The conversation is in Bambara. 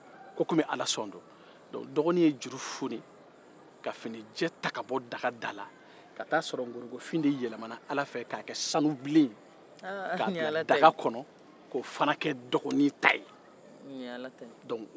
dɔgɔnin ye finijɛ foni ka bɔ daga da la ka t'a sɔrɔ ala ye nkorongofin yɛlɛma ka kɛ sanu bilen k'o fana kɛ dɔgɔnin ta ye